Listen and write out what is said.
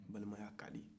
balimaya kadi